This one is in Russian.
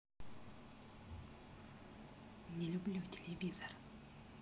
не люблю телевизор